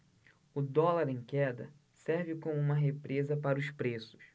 o dólar em queda serve como uma represa para os preços